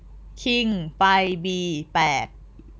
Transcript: คิงไปบีแปด